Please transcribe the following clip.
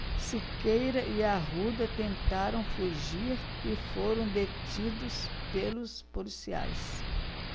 siqueira e arruda tentaram fugir e foram detidos pelos policiais